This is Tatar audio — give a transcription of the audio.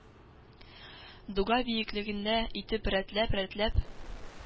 Дуга биеклегендә итеп рәтләп-рәтләп